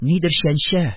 Нидер чәнчә.